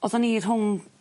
Oddon ni rhwng...